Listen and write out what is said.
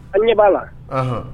A' ɲɛ b'a la ɔnhɔn